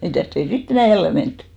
mitäs ei sitten enää jälleen menty